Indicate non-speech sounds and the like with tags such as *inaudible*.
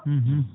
*hesitation* *hesitation*